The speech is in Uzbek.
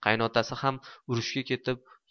qayinotasi ham urushga ketib